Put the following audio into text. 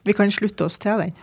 vi kan slutte oss til den.